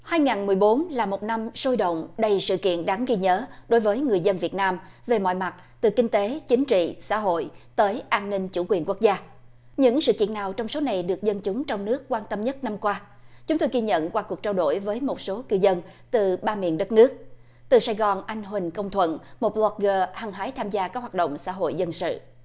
hai ngàn mười bốn là một năm sôi động đầy sự kiện đáng ghi nhớ đối với người dân việt nam về mọi mặt từ kinh tế chính trị xã hội tới an ninh chủ quyền quốc gia những sự kiện nào trong số này được dân chúng trong nước quan tâm nhất năm qua chúng tôi ghi nhận qua cuộc trao đổi với một số cư dân từ ba miền đất nước từ sài gòn anh huỳnh công thuận một bờ loóc gơ hăng hái tham gia các hoạt động xã hội dân sự